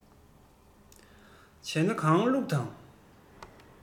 བྱས ན གང བླུགས དང